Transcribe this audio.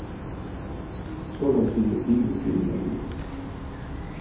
soleiðis sigur yvirfriðingarnevndin